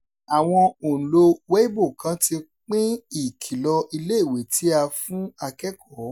Àwọn òǹlo Weibo kan ti pín ìkìlọ̀ ilé-ìwé ti a fún akẹ́kọ̀ọ́.